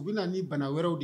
U bɛ na ni bana wɛrɛw de ye